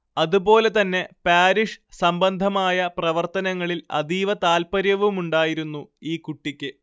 അതുപോലെ തന്നെ പാരിഷ് സംബന്ധമായ പ്രവർത്തനങ്ങളിൽ അതീവ താൽപര്യവുമുണ്ടായിരുന്നു ഈ കുട്ടിക്ക്